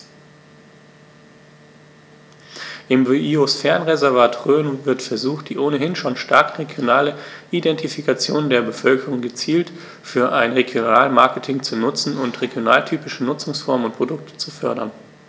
Im Biosphärenreservat Rhön wird versucht, die ohnehin schon starke regionale Identifikation der Bevölkerung gezielt für ein Regionalmarketing zu nutzen und regionaltypische Nutzungsformen und Produkte zu fördern.